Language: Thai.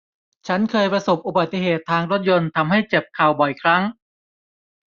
ฉันเคยประสบอุบัติเหตุทางรถยนต์ทำให้เจ็บเข่าบ่อยครั้ง